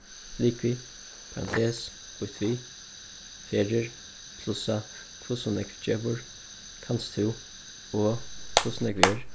ligvið parantes býtt við ferðir plussa hvussu nógv gevur kanst tú og hvussu nógv er